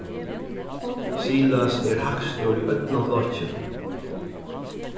silas er hægstur í øllum flokkinum